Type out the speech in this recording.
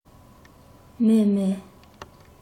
མཱེ མཱེ